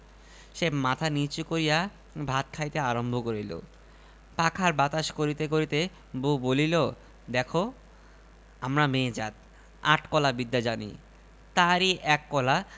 আরব পণ্ডিত তাই বক্তব্য শেষ করেছেন কিউ ই ডি দিয়ে অতএব সপ্রমাণ হল জ্ঞানার্জন ধনার্জনের চেয়ে মহত্তর